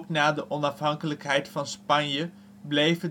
na de onafhankelijkheid van Spanje bleef